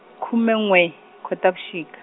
khume n'we, Khotavuxika.